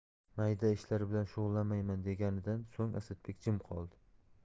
mayda ishlar bilan shug'ullanmayman deganidan so'ng asadbek jim qoldi